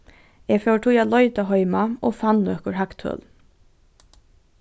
eg fór tí at leita heima og fann nøkur hagtøl